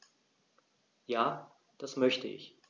Ja, das möchte ich.